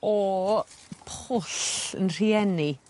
o pwll 'yn rhieni.